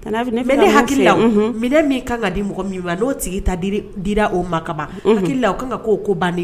Tan ne hakiliya minɛn min kan ka di mɔgɔ min wa n'o sigi dira o ma kama hakilila kan ka ko ko ban